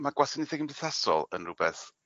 ma' gwasanaethe cymdeithasol yn rwbeth